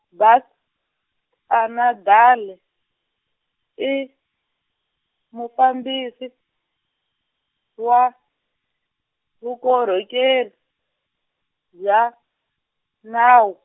Buks, Annandale, i, mufambisi, wa, Vukorhokeri, bya, nawu.